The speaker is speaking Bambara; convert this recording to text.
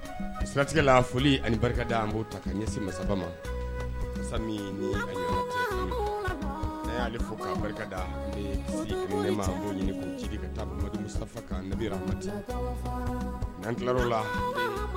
Siratigɛ foli ani barika da b'o ta ɲɛsin ma sabu ne y'aale fɔ' barika da ɲini ci sanfɛ kan ne n'an kiyɔrɔ la